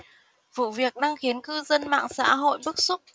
vụ việc đang khiến cư dân mạng xã hội bức xúc